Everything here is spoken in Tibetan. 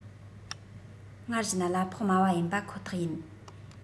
སྔར བཞིན གླ ཕོགས དམའ བ ཡིན པ ཁོ ཐག ཡིན